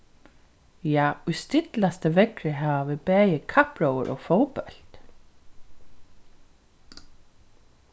ja í stillasta veðri hava vit bæði kappróður og fótbólt